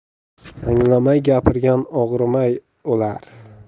anglamay gapirgan og'rimay o'lar